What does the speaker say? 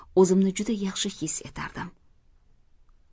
o'zim ni juda yaxshi his etardim